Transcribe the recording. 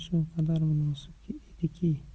shu qadar munosib ediki